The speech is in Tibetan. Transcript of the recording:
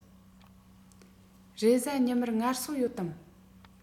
རེས གཟའ ཉི མར ངལ གསོ ཡོད དམ